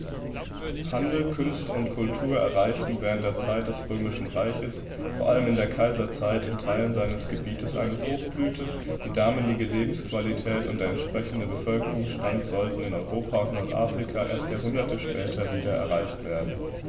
Handel, Künste und Kultur erreichten während der Zeit des Römischen Reiches, vor allem in der Kaiserzeit, in Teilen seines Gebietes eine Hochblüte, die damalige Lebensqualität und der entsprechende Bevölkerungsstand sollten in Europa und Nordafrika erst Jahrhunderte später wieder erreicht werden.